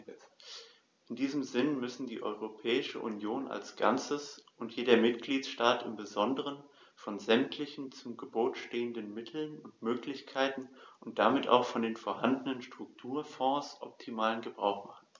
In diesem Sinne müssen die Europäische Union als Ganzes und jeder Mitgliedstaat im besonderen von sämtlichen zu Gebote stehenden Mitteln und Möglichkeiten und damit auch von den vorhandenen Strukturfonds optimalen Gebrauch machen.